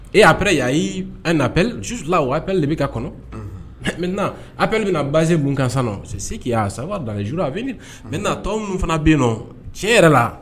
E ap a la op deb bɛ ka kɔnɔ ap bɛna na basise bonkansan se k'' saba danuru a bɛna na tɔw min fana bɛ yen nɔn tiɲɛ yɛrɛ la